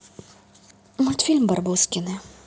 мультфильм барбоскины